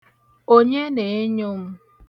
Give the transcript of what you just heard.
Onye na-enyo m?